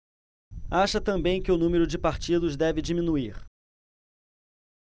acha também que o número de partidos deve diminuir